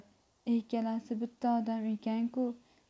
ikkalasi bitta odam ekan ku